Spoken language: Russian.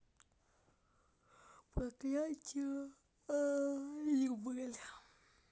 проклятие аннабель